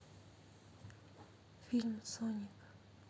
фильм соник